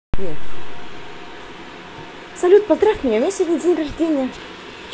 салют поздравь меня у меня сегодня день рождения